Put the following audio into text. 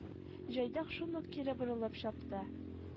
Җайдак шундук кире борылып чапты